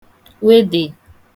wedè